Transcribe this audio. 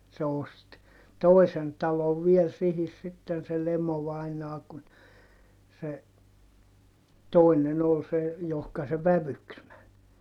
se osti toisen talon vielä siihen sitten se Lemo-vainaa kun se toinen oli se johon se vävyksi meni